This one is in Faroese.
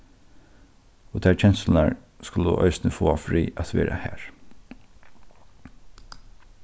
og tær kenslurnar skulu eisini fáa frið at vera har